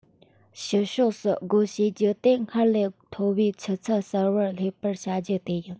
ཕྱི ཕྱོགས སུ སྒོ འབྱེད རྒྱུ དེ སྔར ལས མཐོ བའི ཆུ ཚད གསར པར སླེབས པར བྱ རྒྱུ དེ ཡིན